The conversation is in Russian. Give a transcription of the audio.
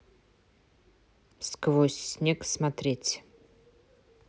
сквозь снег смотреть